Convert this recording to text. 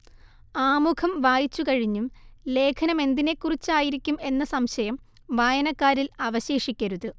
ആമുഖം വായിച്ചുകഴിഞ്ഞും ലേഖനമെന്തിനെക്കുറിച്ചായിരിക്കും എന്ന സംശയം വായനക്കാരിൽ അവശേഷിക്കരുത്